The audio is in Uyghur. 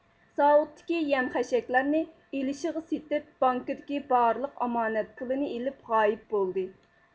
زاۋۇتتىكى يەم خەشەكلەرنى ئېلىشىغا سېتىپ بانكىدىكى بارلىق ئامانەت پۇلنى ئېلىپ غايىب بولدى